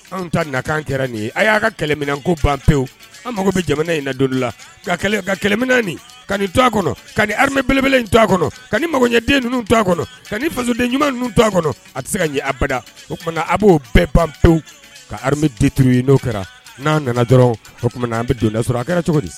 Anw ta nakan kɛra nin ye a y'a ka kɛlɛmin ko ban pewu an mago bɛ jamana in na don la ka ka kɛlɛmin ka to kɔnɔ ka habuele kɔnɔ ka m ɲɛden ninnu kɔnɔ ka faden ɲuman ninnu to kɔnɔ a tɛ se ka ɲɛ abada o tumaumana a b'o bɛɛ ban pewu kamituru in n'o kɛra n'an nana dɔrɔn o tumaumana an bɛ donda sɔrɔ a kɛra cogo di